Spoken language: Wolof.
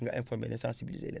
nga informé leen sensibilisé leen